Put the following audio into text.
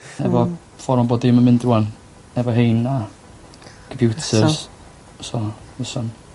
Efo ffor ma' bob dim yn mynd rŵan efo rhein na efo computers so fyswn.